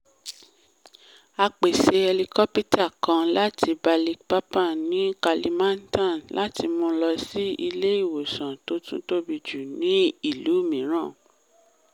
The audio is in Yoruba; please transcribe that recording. A pèṣè hẹlikópítà kan láti Balikpapan ní Kalimantan láti mú lọ sí ilé ìwòsàn tó tún tóbi jù ní ìlú mìíràn.